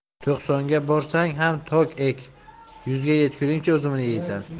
to'qsonga borsang ham tok ek yuzga yetguncha uzumini yeysan